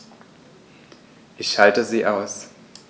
Ich schalte sie aus.